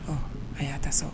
Ɔ a y'a ta sɔn